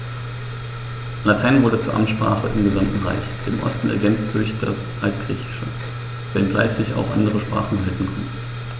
Latein wurde zur Amtssprache im gesamten Reich (im Osten ergänzt durch das Altgriechische), wenngleich sich auch andere Sprachen halten konnten.